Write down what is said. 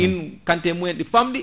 ɗin quantité mumen ɗi pamɗi